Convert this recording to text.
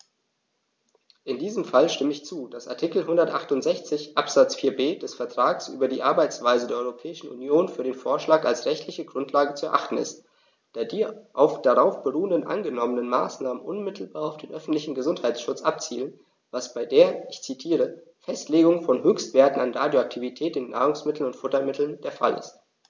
In diesem Fall stimme ich zu, dass Artikel 168 Absatz 4b des Vertrags über die Arbeitsweise der Europäischen Union für den Vorschlag als rechtliche Grundlage zu erachten ist, da die auf darauf beruhenden angenommenen Maßnahmen unmittelbar auf den öffentlichen Gesundheitsschutz abzielen, was bei der - ich zitiere - "Festlegung von Höchstwerten an Radioaktivität in Nahrungsmitteln und Futtermitteln" der Fall ist.